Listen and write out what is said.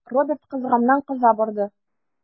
Роберт кызганнан-кыза барды.